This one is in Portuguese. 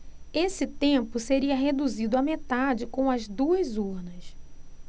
esse tempo seria reduzido à metade com as duas urnas